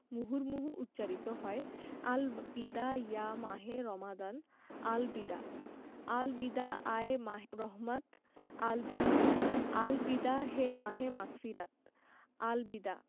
মুহুর্মুহু উচ্চারিত হয় আল বিদা ইয়া মাহে রমাদান আল বিদা আল বিদা আয় মাহে রহমাত আল বিদা আল বিদা হে মাহে মাগফিরাত আল বিদা